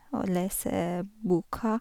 Og lese boka.